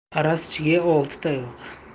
arazchiga olti tayoq